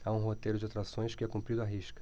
há um roteiro de atrações que é cumprido à risca